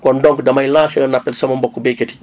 kon donc damay lancé un appel sama mbokku béykat yi